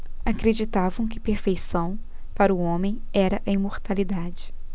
acreditavam que perfeição para o homem era a imortalidade